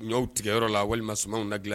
N y'aw tigɛyɔrɔ la walima sumaworow na dilan